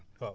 waaw